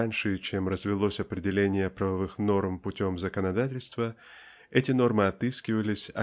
раньше чем развилось определение правовых норм путем законодательства эти нормы отыскивались